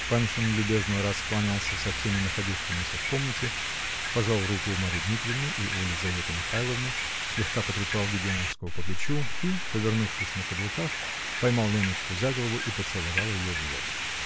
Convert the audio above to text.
Паншин любезно раскланялся со всеми находившимися в комнате, пожал руку у Марьи Дмитриевны и у Лизаветы Михайловны, слегка потрепал Гедеоновского по плечу и, повернувшись на каблуках, поймал Леночку за голову и поцеловал ее в лоб.